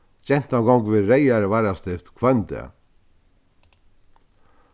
gentan gongur við reyðari varrastift hvønn dag